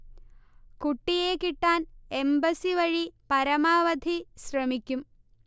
കുട്ടിയെ കിട്ടാൻ എംബസി വഴി പരമാവധി ശ്രമിക്കും